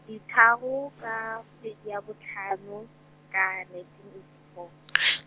ditharo ka kgwedi ya botlhano, ka nineteen eighty four .